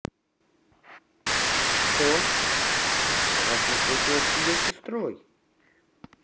что ужасное случилось с ее сестрой